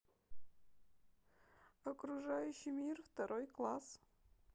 окружающий мир второй класс